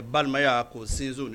Balimaya'o sin ye